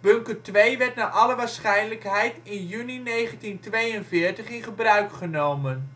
Bunker 2 werd naar alle waarschijnlijkheid in juni 1942 in gebruik genomen